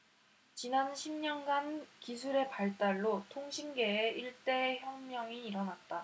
지난 십 년간 기술의 발달로 통신계에 일대 혁명이 일어났다